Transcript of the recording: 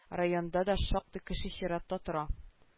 Районда да шактый кеше чиратта тора